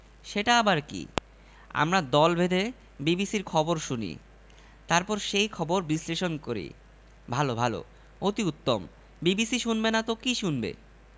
সেটা আবার কি আমরা দল বেঁধে বিবিসির খবর শুনি তারপর সেই খবর বিশ্লেষণ করি ভাল ভাল অতি উত্তম বিবিসি শুনবেনা তো কি শুনবে